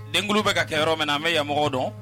Den bɛ ka kɛ yɔrɔ min na an bɛ yan mɔgɔ dɔn